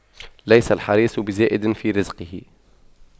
ليس الحريص بزائد في رزقه